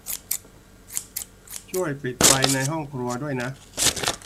ช่วยปิดไฟในห้องครัวด้วยนะ